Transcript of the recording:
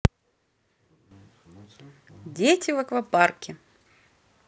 дети в аквапарке